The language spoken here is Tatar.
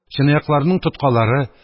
Чынаякларның тоткалары,